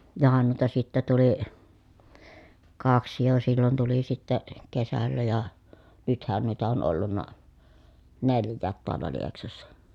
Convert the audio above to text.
johan noita sitten tuli kaksi jo silloin tuli sitten kesällä ja nythän noita on ollut neljäkin taalla Lieksassa